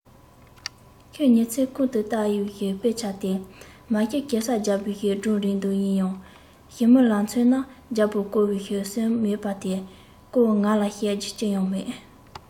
ཁོས ཉིན མཚན ཀུན ཏུ ལྟ བའི དཔེ ཆ དེ མ གཞི གེ སར རྒྱལ པོའི སྒྲུང རེད འདུག ཡིན ཡང ཞི མི ལ མཚོན ན རྒྱལ པོར བསྐོ བའི སྲོལ མེད པས དེའི སྐོར ང ལ བཤད རྒྱུ ཅི ཡང མེད